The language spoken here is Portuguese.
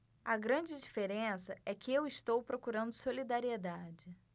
a grande diferença é que eu estou procurando solidariedade